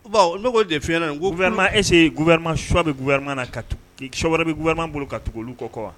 N' ko defiu wɛrɛɛma ese gu wɛrɛma suwa bɛuma wɛrɛ bɛuɛma bolo ka tugu olu kɔ wa